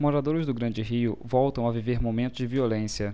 moradores do grande rio voltam a viver momentos de violência